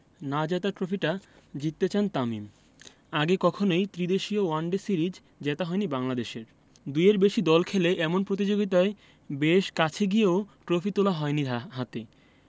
না জেতা ট্রফিটা জিততে চান তামিম আগে কখনোই ত্রিদেশীয় ওয়ানডে সিরিজ জেতা হয়নি বাংলাদেশের দুইয়ের বেশি দল খেলে এমন প্রতিযোগিতায় বেশ কাছে গিয়েও ট্রফি তোলা হয়নি হাতে